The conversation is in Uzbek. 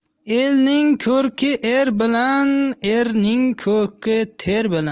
elning ko'rki er bilan erning ko'rki ter bilan